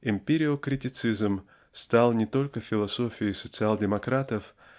Эмпириокритицизм стал не только философией социал-демократов